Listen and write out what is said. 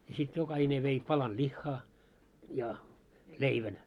ja sitten jokainen vei palan lihaa ja leivän